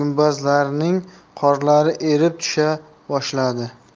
gumbazlarning qorlari erib tusha boshladi